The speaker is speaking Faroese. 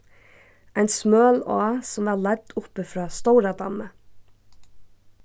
ein smøl á sum var leidd uppi frá stóradammi